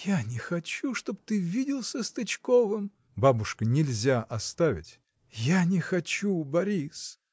— Я не хочу, чтоб ты виделся с Тычковым! — Бабушка, нельзя оставить!. — Я не хочу, Борис!